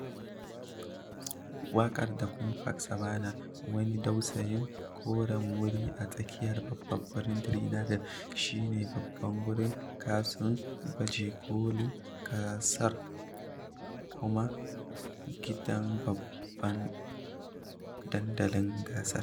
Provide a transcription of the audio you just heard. Waƙar The ƙueen's Park Saɓannah, wani dausayin koren wuri a tsakiyar babban birnin Trinidad, shi ne babban wurin casun baje-kolin ƙasar kuma gidan babban dandalin gasar.